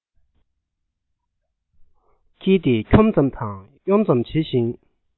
འཁྱིལ ཏེ འཁྱོམ ཙམ དང གཡོ ཙམ བྱེད ཅིང